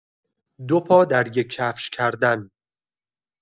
دو پا در یک کفش کردن